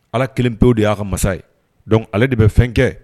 Ala kelen pewu de ya ka masa ye donc ale de bi fɛn kɛ